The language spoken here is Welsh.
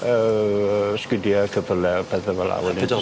Yy sgidie cyffyle a pethe fel'a wedyn... Y pedol?